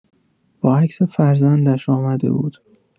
با عکس فرزندش آمده بود.